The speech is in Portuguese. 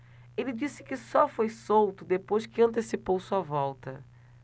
ele disse que só foi solto depois que antecipou sua volta